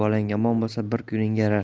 bolang yomon bo'lsa bir kuningga yarar